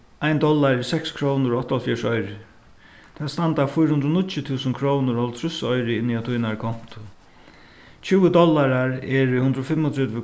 ein dollari er seks krónur og áttaoghálvfjerðs oyru tað standa fýra hundrað og níggju túsund krónur og hálvtrýss oyru inni á tínari konto tjúgu dollarar eru hundrað og fimmogtretivu